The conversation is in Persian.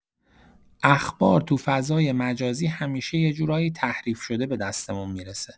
اخبار تو فضای مجازی همیشه یه جورایی تحریف‌شده به دستمون می‌رسه.